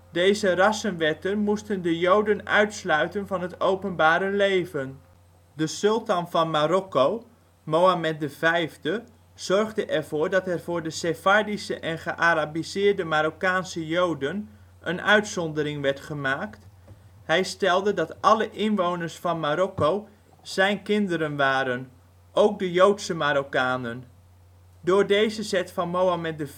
Deze rassenwetten moesten de Joden uitsluiten van het openbare leven. De sultan van Marokko, Mohammed V zorgde ervoor dat er voor de Sefardische en gearabiseerde Marokkaanse Joden een uitzondering werd gemaakt, hij stelde dat alle inwoners van Marokko ' zijn kinderen ' waren - ook de Joodse Marokkanen. Door deze zet van Mohammed V